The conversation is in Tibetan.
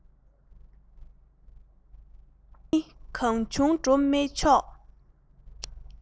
མི གང བྱུང འགྲོ མི ཆོག